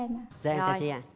em chào chị ạ